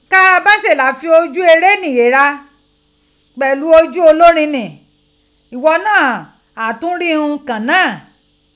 Ká a bá se lá fi ojú ère ni ghéra, pẹ̀lú ojú olórin ni, ìghọ náà á tún rí ihun kan náà.